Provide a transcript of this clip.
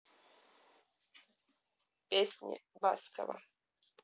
песни баскова